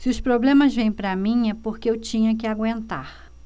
se os problemas vêm para mim é porque eu tinha que aguentar